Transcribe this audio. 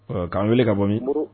Ɔ k'an wele ka bɔ min